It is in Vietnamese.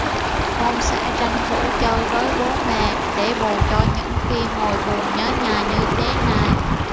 con sẽ tranh thủ chơi với bố mẹ để bù cho những khi ngồi buồn nhớ nhà như thế này